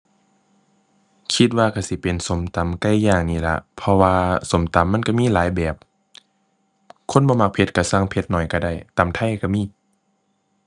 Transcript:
คิดว่าก็สิเป็นส้มตำไก่ย่างนี่ล่ะ เพราะว่าส้มตำมันก็มีหลายแบบ คนบ่มักเผ็ดก็สั่งเผ็ดน้อยก็ได้ ตำไทยก็มี